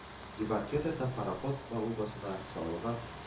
Дебаркедардан пароход палубасына салынган